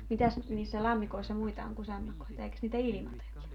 mitäs niissä lammikoissa muita on kuin sammakoita eikös niitä iilimatojakin ollut